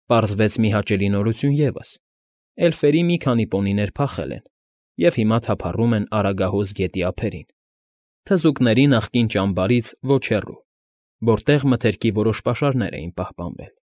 Պարզվեց մի հաճելի նորություն ևս. էլֆերի մի քանի պոնիներ փախել են և հիմա թափառում են Արագահոս գետի ափերին, թզուկների նախկին ճամբարից ոչ հեռու, որտեղ մթերքի որոշ պաշարներ էին պահպանվել։